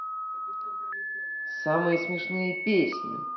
самые смешные песни